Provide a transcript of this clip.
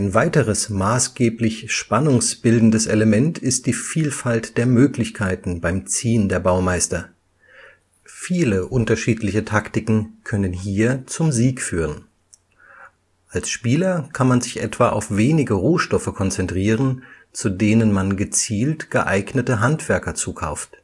weiteres maßgeblich spannungsbildendes Element ist die Vielfalt der Möglichkeiten beim Ziehen der Baumeister; viele unterschiedliche Taktiken können hier zum Sieg führen. Als Spieler kann man sich etwa auf wenige Rohstoffe konzentrieren, zu denen man gezielt geeignete Handwerker zukauft